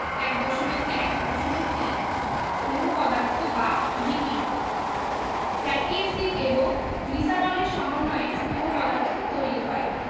১.১.৩ স্নেহ পদার্থ বা লিপিড ফ্যাটি এসিড এবং গ্লিসারলের সমন্বয়ে স্নেহ পদার্থ তৈরি হয়